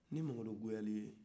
ni mamadu goyara i ye